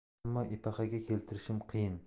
ammo epaqaga keltirishim qiyin